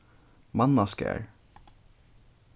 mannaskarð